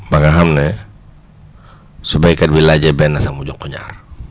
ba nga xam ne su béykat bi laajee benn sax mu jox ko ñaar